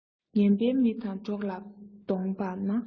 ངན པའི མི དང གྲོགས ལ བསྡོངས པ ན